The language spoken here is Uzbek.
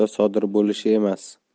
marta sodir bo'lishi emas